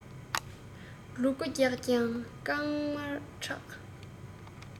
ལུ གུ རྒྱགས ཀྱང རྐང མར ཁྲག